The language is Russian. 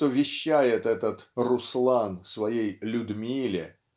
что вещает этот Руслан своей Людмиле